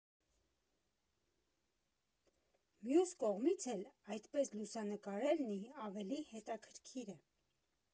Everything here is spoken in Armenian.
Մյուս կողմից էլ, այդպես լուսանկարելն ավելի հետաքրքիր է։